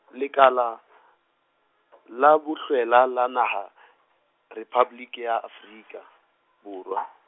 Lekala , la Bohlwela la Naha , Rephaboliki ya Afrika, Borwa.